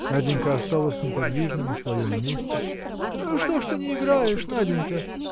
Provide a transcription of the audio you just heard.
Наденька осталась неподвижна на своем месте. – Что ж ты не играешь, Наденька?